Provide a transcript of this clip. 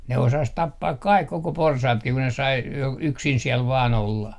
ne osasi tappaa kai koko porsaatkin kun ne sai - yksin siellä vain olla